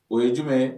O ye jumɛn